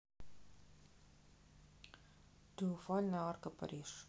триумфальная арка париж